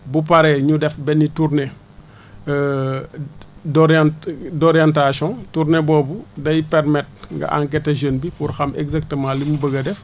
bu paree ñu def benn tournée d' orient d' oreinetation tournée boobu day permettre nga enquêter jeune bi pour xam exactement limu bëgg a def